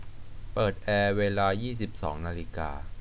เปิดแอร์เวลายี่สิบสองนาฬิกา